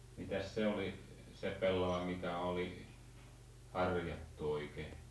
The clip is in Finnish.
mitäs se oli se pellava mitä oli harjattu oikein